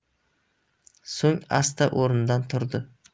so'ng asta o'rnidan turdi